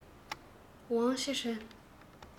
ཝང ཆི ཧྲན